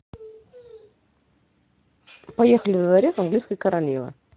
поехали в дворец английской королевы